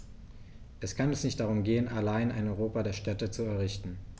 Es kann uns nicht darum gehen, allein ein Europa der Städte zu errichten.